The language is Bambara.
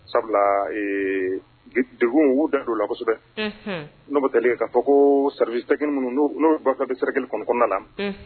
Sabula degkun da don lasɔ kosɛbɛ n'o bɛ deli ka fɔ ko sarari kelen minnu n'o bɛ sira kelen kɔnɔn kɔnɔna na